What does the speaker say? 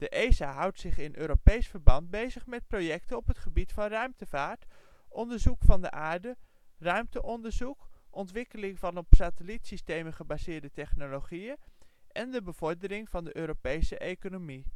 ESA houdt zich in Europees verband bezig met projecten op het gebied van ruimtevaart, onderzoek van de Aarde, ruimteonderzoek, ontwikkeling van op satellietsystemen gebaseerde technologieën, en de bevordering van de Europese economie